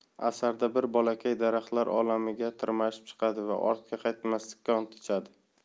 asarda bir bolakay daraxtlar olamiga tirmashib chiqadi va ortga qaytmaslikka ont ichadi